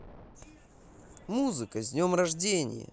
музыка к дню рождения